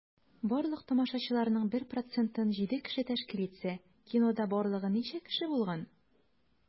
Барлык тамашачыларның 1 процентын 7 кеше тәшкил итсә, кинода барлыгы ничә кеше булган?